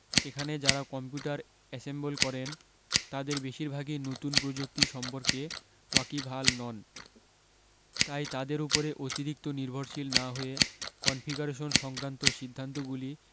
এখানে যারা computer assemble করেন তাদের বেশিরভাগই নতুন প্রযুক্তি সম্পর্কে ওয়াকিবহাল নন তাই তাদের উপরে অতিরিক্ত নির্ভরশীল না হয়ে কনফিগারেশন সংক্রান্ত সিদ্ধান্তগুলি